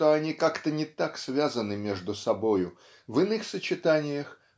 что они как-то не так связаны между собою в иных сочетаниях